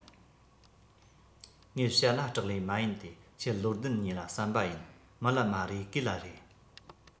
ངེད བྱ ལ སྐྲག ལེ མ ཡིན ཏེ ཁྱོད བློ ལྡན གཉིས ལ བསམས པ ཡིན མི ལ མ རེ གོས ལ རེ